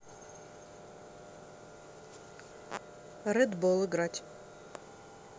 red ball играть